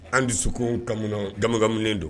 An dusu dusu ta damakanminɛ don